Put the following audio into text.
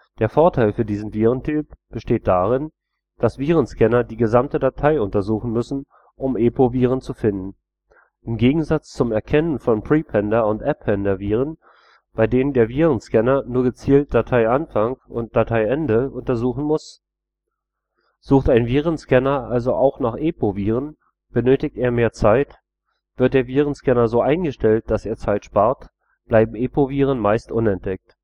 Der Vorteil für diesen Virentyp besteht darin, dass Virenscanner die gesamte Datei untersuchen müssten, um EPO-Viren zu finden – im Gegensatz zum Erkennen von Prepender - und Appender-Viren, bei denen der Virenscanner nur gezielt Dateianfang und - ende untersuchen muss. Sucht ein Virenscanner also auch nach EPO-Viren, benötigt er mehr Zeit – wird der Virenscanner so eingestellt, dass er Zeit spart, bleiben EPO-Viren meist unentdeckt